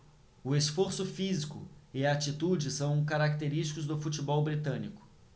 o esforço físico e a atitude são característicos do futebol britânico